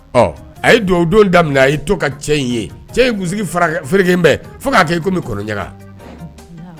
Ɔ a ye dodon daminɛ a' to ka cɛ in ye cɛ in gsigi fo k'a kɛka